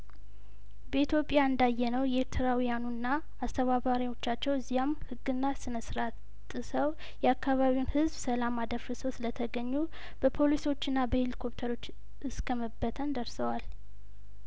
በኢትዮጵያ እንዳየነው ኤርትራውያኑና አስተባባሪዎቻቸው እዚያም ህግና ስነስርአት ጥሰው የአካባቢውን ህዝብ ሰላም አደፍ ርሰው ስለተገኙ በፖሊሶችና በሄሊኮፕተሮች እስከመበተን ደርሰዋል